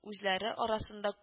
Үзләре арасында